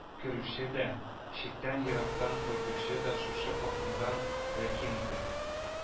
Керүче дә, читтән-ерактан кайтучы да шушы капкадан рәхим итә